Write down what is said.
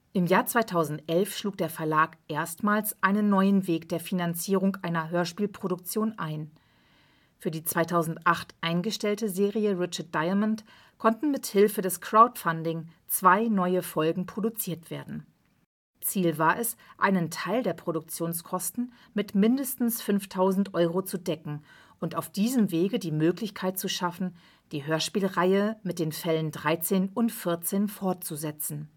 Im Jahre 2011 schlug der Verlag erstmals einen neuen Weg der Finanzierung einer Hörspielproduktion ein. Für die 2008 eingestellte Serie Richard Diamond konnten mit Hilfe des Crowdfunding zwei neue Folgen produziert werden. Ziel war es, einen Teil der Produktionskosten mit mindestens 5000 Euro zu decken und auf diesem Wege die Möglichkeit zu schaffen, die Hörspielreihe mit den Fällen 13 und 14 fortzusetzen